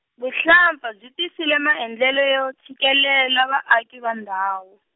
vuhlampfa byi tisile maendlelo yo tshikelela vaaki va ndhawu.